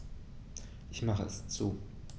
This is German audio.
Ich mache es zu.